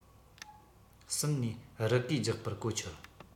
གསུམ ནས རི གས རྒྱག པར གོ ཆོད